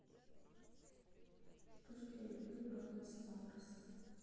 скажи я люблю бравл старс